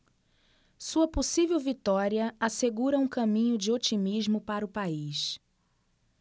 sua possível vitória assegura um caminho de otimismo para o país